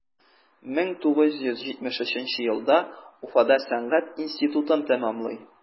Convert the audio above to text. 1973 елда уфада сәнгать институтын тәмамлый.